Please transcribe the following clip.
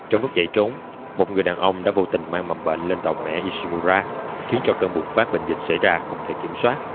trong lúc chạy trốn một người đàn ông đã vô tình mang mầm bệnh lên tàu mẹ ishimura khiến cho cơn bùng phát bệnh dịch xảy ra không thể kiểm soát